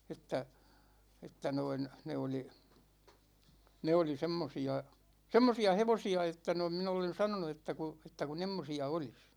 että että noin ne oli ne oli semmoisia semmoisia hevosia että noin minä olen sanonut että kun että kun semmoisia olisi